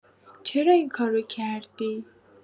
چرا این کارو کردی؟